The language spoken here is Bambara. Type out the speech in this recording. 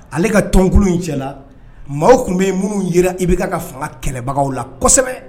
Ale ka tɔnonkulu in cɛ la mɔgɔw tun bɛ yen minnu jira i bɛ ka fanga kɛlɛbagaw la kosɛbɛ